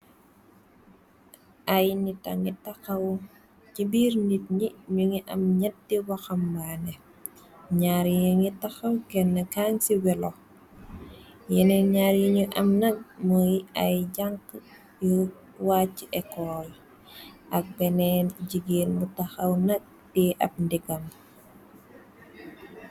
ay nita ngi taxaw ci biir nit ñi ñu ngi am ñetti waxambaa ne ñaar yi ngi taxaw kenn kaan ci welo yene ñaar yiñu am nag mooy ay jank yu wacc exool ak beneen jigéer mu taxaw nag di ab ndigam.